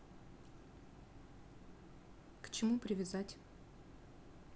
к чему привязать